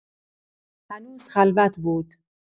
هنوز خلوت بود.